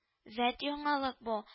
Вәт яңалык бу